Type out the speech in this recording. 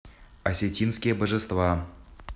осетинские божества